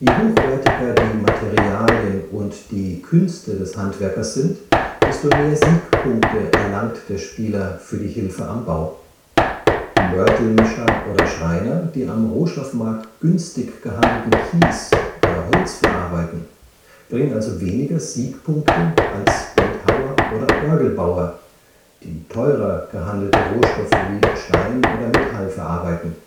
hochwertiger die Materialien und die Künste des Handwerkers sind, desto mehr Siegpunkte erlangt der Spieler für die Hilfe am Bau. Mörtelmischer oder Schreiner, die am Rohstoffmarkt günstig gehandelten Kies oder Holz verarbeiten, bringen also weniger Siegpunkte als Bildhauer oder Orgelbauer, die teurer gehandelte Rohstoffe wie Stein oder Metall verarbeiten